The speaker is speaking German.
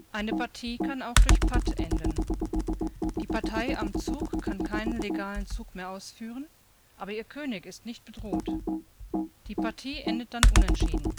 Eine Partie kann auch durch Patt enden: die Partei am Zug kann keinen legalen Zug mehr ausführen, aber ihr König ist nicht bedroht. Die Partie endet dann Unentschieden